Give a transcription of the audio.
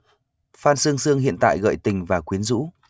phan sương sương hiện tại gợi tình và quyến rũ